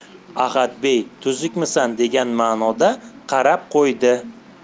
ahadbey tuzukmisan degan ma'noda qarab qo'ydi